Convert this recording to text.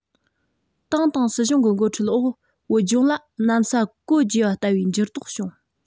ཏང དང སྲིད གཞུང གི འགོ ཁྲིད འོག བོད ལྗོངས ལ གནམ ས གོ བརྗེས པ ལྟ བུའི འགྱུར ལྡོག བྱུང